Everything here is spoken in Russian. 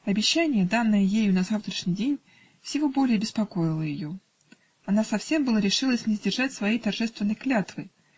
Обещание, данное ею на завтрашний день, всего более беспокоило ее: она совсем было решилась не сдержать своей торжественной клятвы.